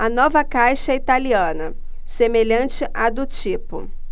a nova caixa é italiana semelhante à do tipo